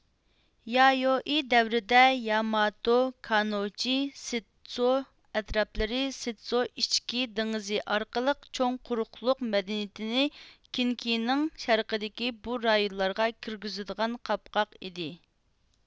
يايوئىي دەۋرىدە ياماتو كانۇچى سېتسو ئەتراپلىرى سېتو ئىچكى دېڭىزى ئارقىلىق چوڭ قۇرۇقلۇق مەدەنىيىتىنى كېنكىنىڭ شەرقىدىكى بۇ رايونلارغا كىرگۈزىدىغان قاپقاق ئىدى